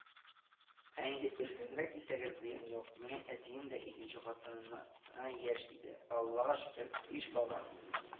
Ә инде өлкәнрәк дисәгез, зыян юк, минем әтием дә икенче хатынына а яшь иде, Аллага шөкер, биш бала